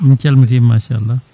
min calmintima machallah